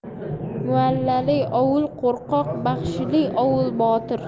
mullali ovul qo'rqoq baxshili ovul botir